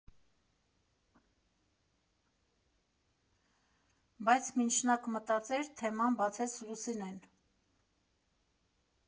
Բայց մինչ նա կմտածեր, թեման բացեց Լուսինեն։